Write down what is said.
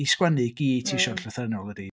I sgwennu i gyd ti... m-hm. ...isio'n llythrennol ydy...